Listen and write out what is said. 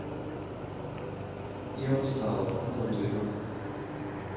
я устала потом зайду